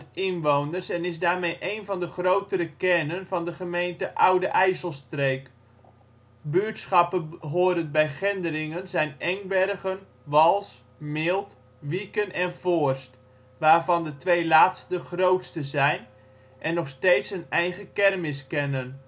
inwoners en is daarmee één van de grotere kernen van de gemeente Oude IJsselstreek. Buurtschappen horend bij Gendringen zijn Engbergen, Wals, Milt, Wieken en Voorst, waarvan de twee laatste de grootste zijn en nog steeds een eigen kermis kennen